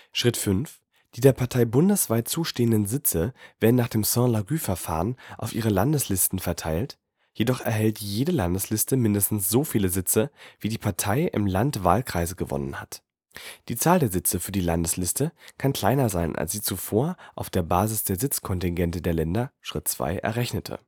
Schritt 5: Die der Partei bundesweit zustehenden Sitze werden nach dem Sainte-Laguë-Verfahren auf ihre Landeslisten verteilt, jedoch erhält jede Landesliste mindestens so viele Sitze, wie die Partei im Land Wahlkreise gewonnen hat. Die Zahl der Sitze für die Landesliste kann kleiner sein als die zuvor auf der Basis der Sitzkontingente der Länder (Schritt 2) errechnete